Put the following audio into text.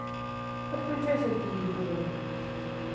подключайся к телевизору